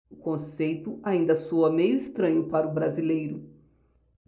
o conceito ainda soa meio estranho para o brasileiro